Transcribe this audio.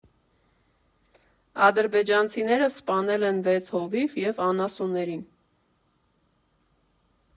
Ադրբեջանցիները սպանել են վեց հովիվ և անասուններին։